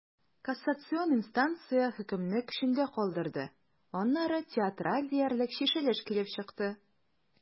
Кассацион инстанция хөкемне көчендә калдырды, аннары театраль диярлек чишелеш килеп чыкты.